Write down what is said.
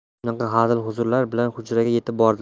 shunaqa hazil huzullar bilan hujraga yetib bordilar